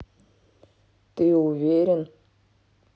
ты уверен